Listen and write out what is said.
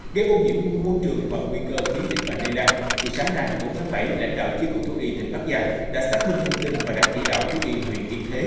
gây ô nhiễm môi trường và nguy cơ khiến dịch bệnh lây lan thì sáng nay mười bốn tháng bảy lãnh đạo chi cục thú y tỉnh bắc giang đã xác minh thông tin và đã chỉ đạo thú y huyện yên thế